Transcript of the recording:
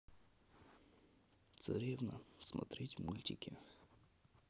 царевна смотреть мультики